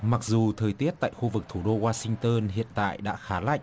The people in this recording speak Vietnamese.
mặc dù thời tiết tại khu vực thủ đô goa xinh tơn hiện tại đã khá lạnh